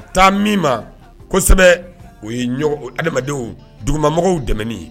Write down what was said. A taa min ma kosɛbɛ o ye adama dugumamɔgɔ tɛmɛn ye